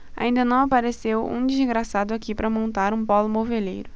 ainda não apareceu um desgraçado aqui para montar um pólo moveleiro